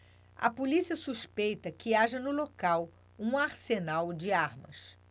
a polícia suspeita que haja no local um arsenal de armas